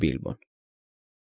Բիլբոն։